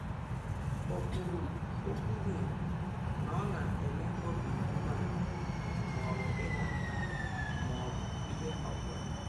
O kwuru “o kwughi na ọ na enwe obi umeala ma ọ bụ ịda mba ma ọ bụ ihe ọ bụla,”.